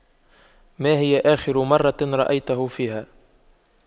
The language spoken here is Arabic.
ماهي آخر مرة رأيته فيها